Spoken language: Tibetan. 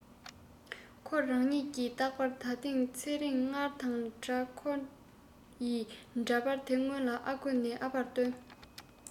ཁོ རང ཉིད ཀྱི རྟག པར ད ཐེངས ཚེ རིང སྔར དང འདྲ ཁོ ཡི འདྲ པར དེ སྔོན ཨ ཁུས ཨ ཕར སྟོན